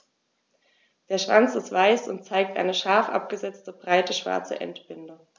Der Schwanz ist weiß und zeigt eine scharf abgesetzte, breite schwarze Endbinde.